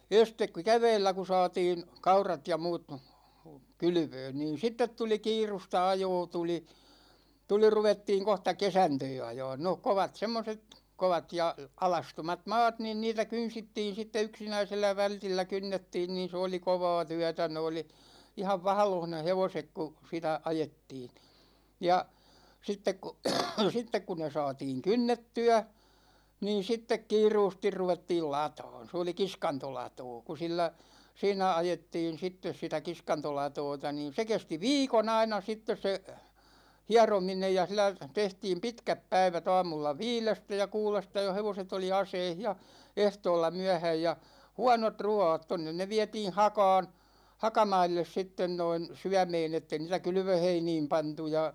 ensin kun keväällä kun saatin kaurat ja muut kylvöön niin sitten tuli kiirusta ajoa tuli tuli ruvettiin kohta kesantoa ajamaan no kovat semmoiset kovat ja alastomat maat niin niitä kynsittiin sitten yksinäisellä vältillä kynnettiin niin se oli kovaa työtä ne oli ihan vaahdossa ne hevoset kun sitä ajettiin ja sitten kun sitten kun ne saatiin kynnettyä niin sitten kiiruusti ruvettiin lataamaan se oli kiskantolatoo kun sillä siinä ajettiin sitten sitä kiskantolatoota niin se kesti viikon aina sitten se hierominen ja sillä tehtiin pitkät päivät aamulla viidestä ja kuudesta jo hevoset oli aseissa ja ehtoolla myöhään ja huonot ruuat tuonne ne vietiin hakaan hakamaille sitten noin syömään että ei niitä kylvöheiniin pantu ja